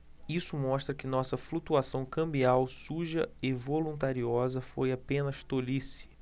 isso mostra que nossa flutuação cambial suja e voluntariosa foi apenas tolice